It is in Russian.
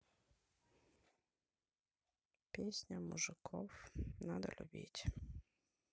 песня мужиков надо любить